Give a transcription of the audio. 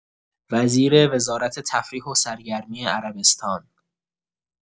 وزیر وزارت تفریح و سرگرمی عربستان